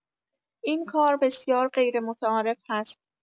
این کار بسیار غیرمتعارف هست.